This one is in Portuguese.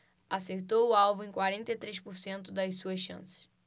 acertou o alvo em quarenta e três por cento das suas chances